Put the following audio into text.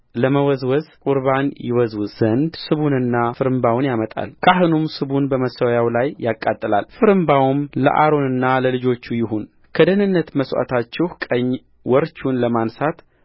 ለመወዝወዝ ቍርባን ይወዘውዝ ዘንድ ስቡንና ፍርምባውን ያመጣልካህኑም ስቡን በመሠዊያው ላይ ያቃጥላል ፍርምባውም ለአሮንና ለልጆቹ ይሁን ከደኅንነት መሥዋዕታችሁ ቀኝ ወርቹን ለማንሣት